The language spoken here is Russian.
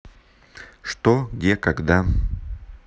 что где когда